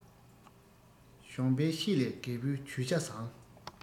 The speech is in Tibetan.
གཞོན པའི ཤེད ལས རྒད པོའི ཇུས བྱ བཟང